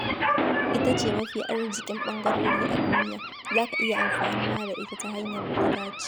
Ita ce mafi arziƙin ɓangarori a duniya. Za ka iya amfanuwa da ita ta hanyar da ta dace.